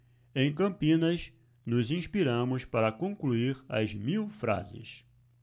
em campinas nos inspiramos para concluir as mil frases